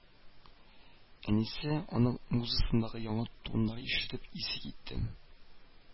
Әнисе, аның музыкасындагы яңа тоннарны ишетеп, исе китте